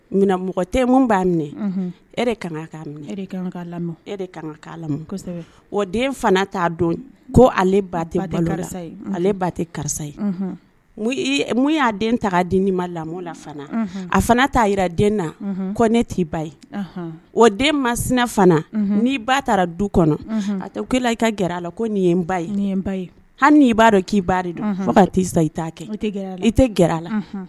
Mɔgɔ tɛ b'a minɛ e o den t' dɔn ko ale ba karisa ale ba tɛ karisa ye mun y'a den ta di ni ma lamɔ la fana a fana taa jira den na ko ne t'i ba ye o den ma sina fana n'i ba taara du kɔnɔ a' i ka g a la nin ye n ba ye ba hali nii b baa dɔn k'i dɔn ka sa' kɛ i tɛ g a la